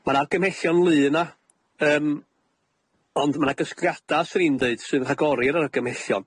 Ma' 'na argymhellion lu yna, yym ond ma' 'na gasgliada' swn i'n deud sydd yn rhagori ar yr argymhellion.